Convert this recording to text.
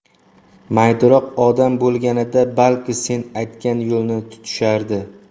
maydaroq odam bo'lganida balki sen aytgan yo'lni tutishardi